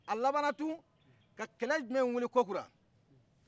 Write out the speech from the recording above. a labanna tugun ka kɛlɛ jumɛ wili kokura